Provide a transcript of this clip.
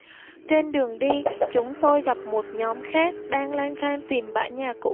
trên đường đi chúng tôi gặp một nhóm khác đang lang thang tìm bãi nhà cũ